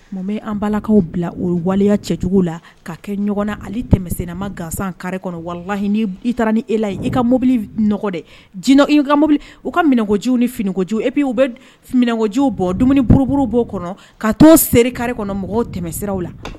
Mɔbe an b balalakaw bila o waleya cɛcogo la ka kɛ ɲɔgɔn na ale tɛmɛ seninama gansan kari kɔnɔ walahi i taara ni e la yen i ka mobili n nɔgɔ dɛ jinɛ i kabili u ka minɛnkojw nikoo ep u bɛ minɛnkojw bɔ dumuni buruuru b'o kɔnɔ ka to se kari kɔnɔ mɔgɔ tɛmɛsiraw la